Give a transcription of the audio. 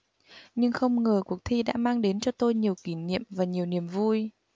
nhưng không ngờ cuộc thi đã mang đến cho tôi nhiều kỷ niệm và nhiều niềm vui